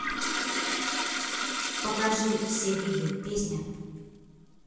покажи все виды песня